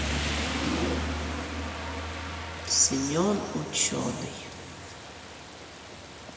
семен ученый